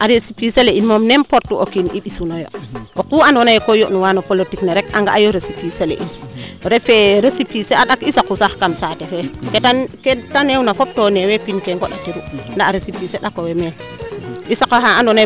a recipicer le in moom n' importe o kiin i mbisunoyo oxu ando naye ko yond nuwa no politique ne rek a nga'a yo recipicer le in refe recipicer a ɗak i saqu sax kam saate fee ke te neewna fop to neewe pinke ngonda tiru nda recipicer ɗako xay meen i saqa xaa ando naye